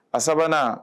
A sabanan